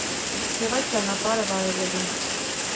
ԵՒ այդ ճանապարհը վայելելու։